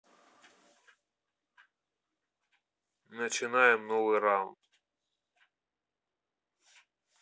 начинаем новый раунд